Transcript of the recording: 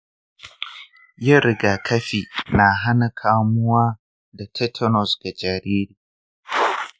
yin rigakafi na hana kamuwa da tetanus ga jarirai